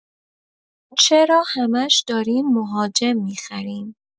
چرا همش داریم مهاجم می‌خریم؟